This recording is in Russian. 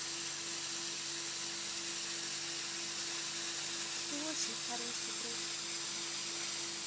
ты очень хороший друг